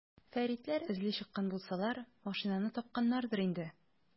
Фәритләр эзли чыккан булсалар, машинаны тапканнардыр инде.